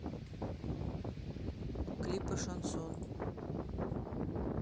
клипы шансон